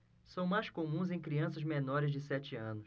são mais comuns em crianças menores de sete anos